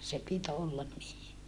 se piti olla niin